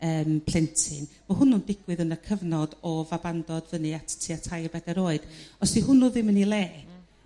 yrm plentyn ma' hwnnw'n digwydd yn y cyfnod o fabandod fyny at tua tair bedair oed os 'di hwnnw ddim yn 'i le